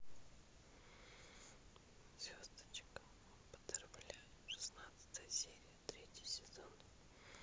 звездочка баттерфляй шестнадцатая серия третий сезон